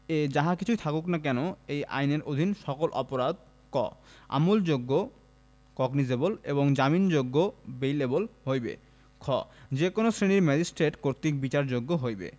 এ যাহা কিছুই থাকুক না কেন এই আইনের অধীন সকল অপরাধঃ ক আমলযোগ্য কগনিযেবল এবং জামিনযোগ্য বেইলএবল হইবে খ যে কোন শ্রেণীর ম্যাজিস্ট্রেট কর্তৃক বিচারযোগ্য হইবে